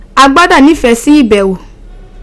A gbodo nife si ibewo.